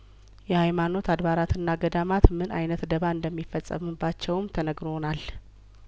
የሀይማኖት አድባራትና ገዳማትምን አይነት ደባ እንደሚፈጸምባቸውም ተነግሮናል